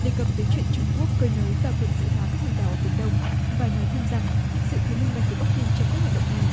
đề cập tới chuyện trung quốc cơi nới và quân sự hóa các hòn đảo ở biển đông và nói thêm rằng sự thiếu minh bạch của bắc kinh trong các hoạt động này